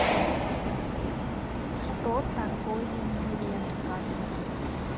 что такое merengues